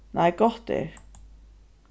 nei gott er